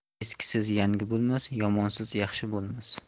eskisiz yangi bo'lmas yomonsiz yaxshi bo'lmas